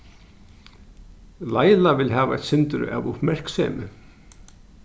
laila vildi hava eitt sindur av uppmerksemi